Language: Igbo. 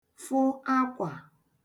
fụ akwà